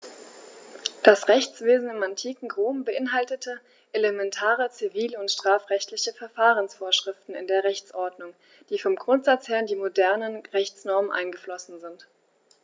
Das Rechtswesen im antiken Rom beinhaltete elementare zivil- und strafrechtliche Verfahrensvorschriften in der Rechtsordnung, die vom Grundsatz her in die modernen Rechtsnormen eingeflossen sind.